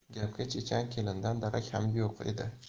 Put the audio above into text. gapga chechan kelindan darak xam yo'q edi